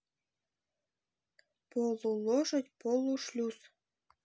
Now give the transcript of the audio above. полулошадь полушлюз